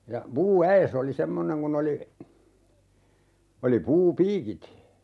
ja puuäes oli semmoinen kun oli oli puupiikit